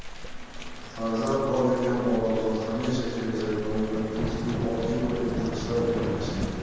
farzand bor ekan odamzot hamisha kelajagini o'ylab ezgu orzu va intilishlar bilan yashaydi